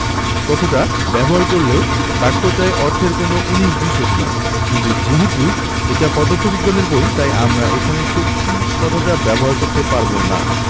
কথাটা ব্যবহার করলেও বাক্যটায় অর্থের কোনো উনিশ বিশ হতো না কিন্তু যেহেতু এটা পদার্থবিজ্ঞানের বই তাই আমরা এখানে শক্তি কথাটা ব্যবহার করতে পারব না